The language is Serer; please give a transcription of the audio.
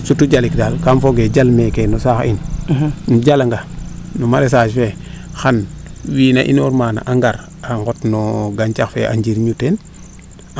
sutu jalik daal kam fooge jal meeke no saax in im jala nga no maraichage fee xan wiina inoor maana a ngot no gancax fee o njirñu teen